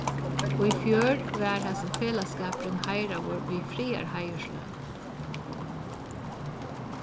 í fjør varð hasin felagsskapurin heiðraður við friðarheiðursløn